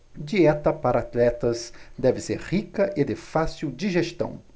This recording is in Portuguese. dieta para atletas deve ser rica e de fácil digestão